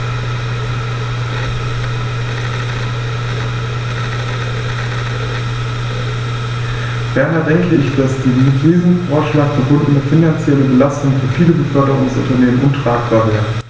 Ferner denke ich, dass die mit diesem Vorschlag verbundene finanzielle Belastung für viele Beförderungsunternehmen untragbar wäre.